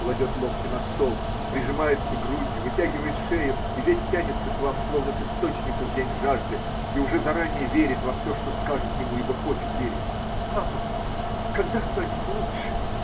и кладет локти на стол, прижимается грудью, вытягивает шею и весь тянется к вам, словно к источнику в день жажды, и уже заранее верит во все. что скажут ему. ибо хочет верить: – Папа! Когда станет лучше?